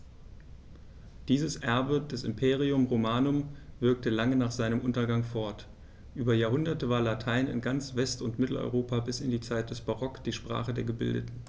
Dieses Erbe des Imperium Romanum wirkte lange nach seinem Untergang fort: Über Jahrhunderte war Latein in ganz West- und Mitteleuropa bis in die Zeit des Barock die Sprache der Gebildeten.